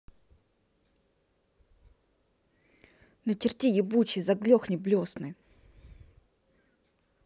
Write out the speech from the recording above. начерти ебучий заглохни блесны